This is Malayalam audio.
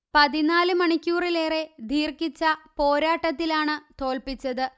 പതിനാല് മണിക്കൂറിലേറെ ദീർഘിച്ച പോരാട്ടത്തിലാണ് തോല്പ്പിച്ചത്